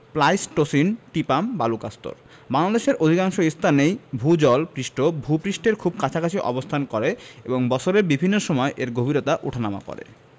Pleistocene টিপাম বালুকাস্তর বাংলাদেশের অধিকাংশ স্থানেই ভূ জল পৃষ্ঠ ভূ পৃষ্ঠের খুব কাছাকাছি অবস্থান করে এবং বৎসরের বিভিন্ন সময় এর গভীরতা উঠানামা করে